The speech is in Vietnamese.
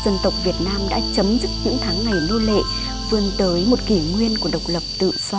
dân tộc việt nam đã chấm dứt những tháng ngày nô lệ vươn tới một kỷ nguyên của độc lập tự do